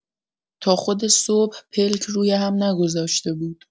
تا خود صبح پلک روی‌هم نگذاشته بود.